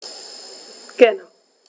Gerne.